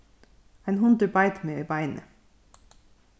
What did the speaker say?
ein hundur beit meg í beinið